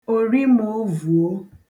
òrimòvuò